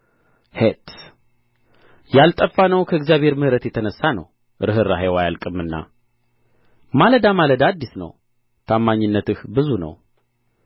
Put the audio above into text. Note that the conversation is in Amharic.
ሔት ያልጠፋነው ከእግዚአብሔር ምሕረት የተነሣ ነው ርኅራኄው አያልቅምና ማለዳ ማለዳ አዲስ ነው ታማኝነትህ ብዙ ነው